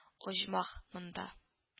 Оҗмах монда